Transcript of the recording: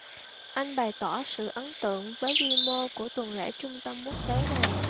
anh bày tỏ sự ấn tượng với quy mô của tuần lễ trung tâm quốc tế này